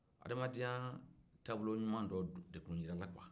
adamadenya taabolo ɲuman dɔ de tun jira kuwa